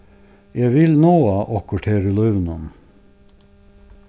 eg vil náa okkurt her í lívinum